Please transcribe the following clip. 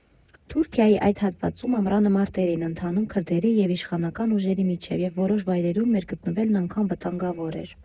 Թուրքիայի այդ հատվածում ամռանը մարտեր էին ընթանում քրդերի և իշխանական ուժերի միջև և որոշ վայրերում մեր գտնվելն անգամ վտանգավոր էր։